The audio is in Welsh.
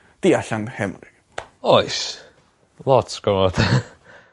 du allan Nghemru. Oes. Lot gormod.